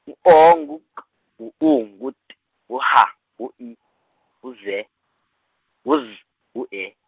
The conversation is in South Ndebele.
ngu O, ngu K, ngu U, ngu T, ngu H, ngu I, ngu Z, ngu Z, ngu E.